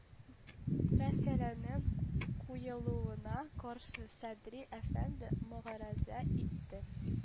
Мәсьәләнең куелуына каршы Садри әфәнде могарәзә итте